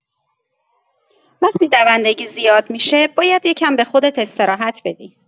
وقتی دوندگی زیاد می‌شه، باید یه کم به خودت استراحت بدی.